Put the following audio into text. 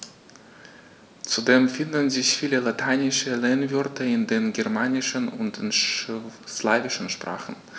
Zudem finden sich viele lateinische Lehnwörter in den germanischen und den slawischen Sprachen.